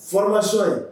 Fmasi ye